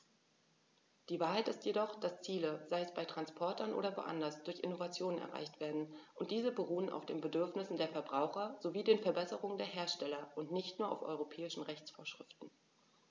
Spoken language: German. Die Wahrheit ist jedoch, dass Ziele, sei es bei Transportern oder woanders, durch Innovationen erreicht werden, und diese beruhen auf den Bedürfnissen der Verbraucher sowie den Verbesserungen der Hersteller und nicht nur auf europäischen Rechtsvorschriften.